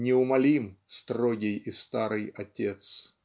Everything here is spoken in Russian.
-- неумолим строгий и старый Отец.